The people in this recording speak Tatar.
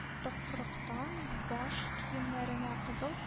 Тыкрыктан, баш киемнәренә кызыл